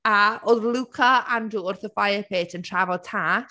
A oedd Luca a Andrew wrth y firepit yn trafod Tash.